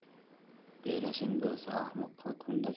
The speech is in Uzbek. berasing bo'lsa ahmoqqa